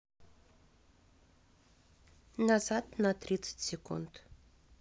назад на тридцать секунд